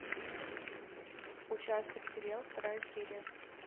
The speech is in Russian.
участок сериал вторая серия